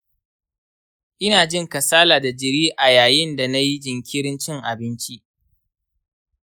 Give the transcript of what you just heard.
ina jin kasala da jiri a yayin da nayi jinkirin cin abinci.